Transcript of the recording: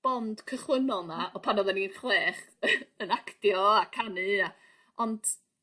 bond cychwynnol 'na o pan oddan ni'n chwech yn actio a canu a... Ond